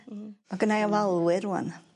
Hmm. Ma' gynna i ofalwyr rŵan